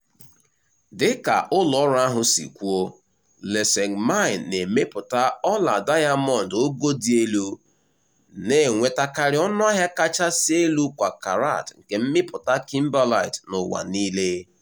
Dịka ụlọọrụ ahụ si kwuo, Letšeng Mine na-emepụta ọla dayamọndụ ogo dị elu, na-enwetakarị ọnụahịa kachasị elu kwa karat nke mmịpụta kimberlite n'ụwa niile.